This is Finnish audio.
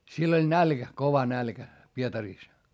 siellä oli nälkä kova nälkä Pietarissa